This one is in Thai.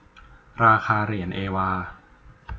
ราคาเหรียญเอวา